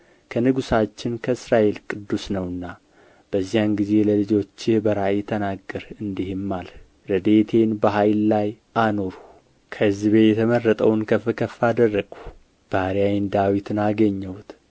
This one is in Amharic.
ከንጉሣችንም ከእስራኤል ቅዱስ ነውና በዚያ ጊዜ ለልጆችህ በራእይ ተናገርህ እንዲህም አልህ ረድኤቴን በኃይል ላይ አኖርሁ ከሕዝቤ የተመረጠውን ከፍ ከፍ አደረግሁ ባሪያዬን ዳዊትን አገኘሁት